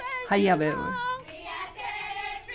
heiðavegur